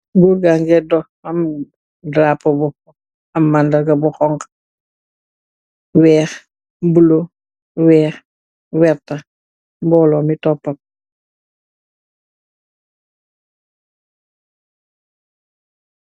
Gorr ga nge dohh, am drapo bu am mandarga: bu hongha, weehh, bulo, weehh, werta. Mboolo mi topa ko.